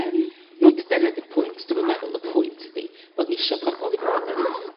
yrm nid dene 'di'r pwynt dwi'm yn meddwl y pwynt ydi bod n'isio pobl i fod yn